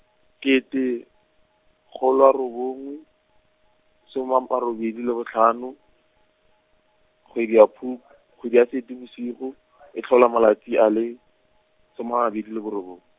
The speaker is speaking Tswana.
ketekgolo a robongwe, soma a garobedi le botlhano, kgwedi ya Phukw- , kgwedi ya Seetebosigo , e tlhola malatsi a le, some a mabedi le borobong.